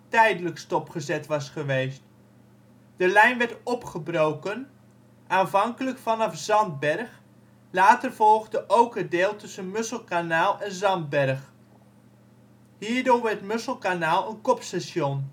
tijdelijk stopgezet was geweest. De lijn werd opgebroken, aanvankelijk vanaf Zandberg, later volgde ook het deel tussen Musselkanaal en Zandberg. Hierdoor werd Musselkanaal een kopstation